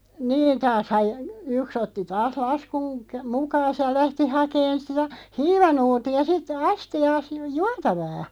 niin taashan - yksi otti taas laskun - mukaansa ja lähti hakemaan sitä hiivanuuttia sitten astiaansa - juotavaa